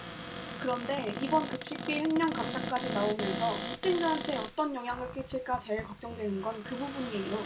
그런데 이번 급식비 횡령 감사까지 나오면서 학생들한테 어떤 영향을 끼칠까 제일 걱정되는 건 그 부분이에요